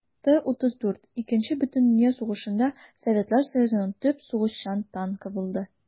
Т-34 Икенче бөтендөнья сугышында Советлар Союзының төп сугышчан танкы булды.